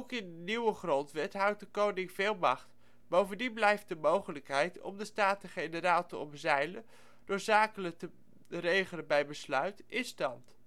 in de nieuwe Grondwet houdt de koning veel macht, bovendien blijft de mogelijkheid om de Staten-Generaal te omzeilen door zaken te regelen bij Besluit in stand